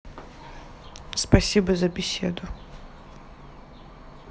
спасибо за беседу